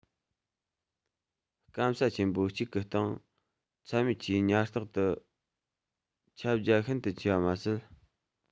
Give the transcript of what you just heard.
སྐམ ས ཆེན པོ གཅིག གི སྟེང ཚྭ མེད ཆུའི ཉ རྟག ཏུ ཁྱབ རྒྱ ཤིན ཏུ ཆེ བ མ ཟད